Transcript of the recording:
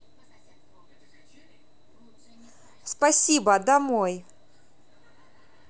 спасибо домой